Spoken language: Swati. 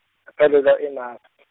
ngatalelwa e- Naa- .